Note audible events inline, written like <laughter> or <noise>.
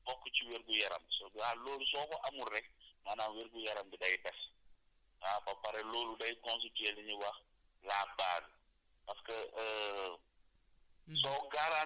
c' est à dire bokk ci wér gu yaram soo waa loolu soo ko amul rek maanaam wér gu yaram bi day des ah ba pare loolu day day constituer li ñuy wax la base parce que <hesitation>